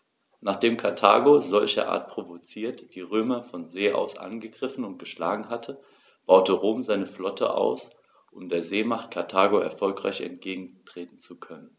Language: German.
Nachdem Karthago, solcherart provoziert, die Römer von See aus angegriffen und geschlagen hatte, baute Rom seine Flotte aus, um der Seemacht Karthago erfolgreich entgegentreten zu können.